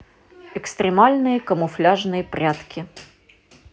экстремальные камуфляжные прятки